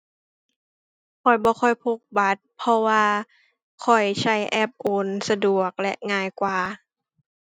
ข้อยบ่ค่อยพกบัตร เพราะว่าค่อยใช้แอปโอน สะดวกและง่ายกว่า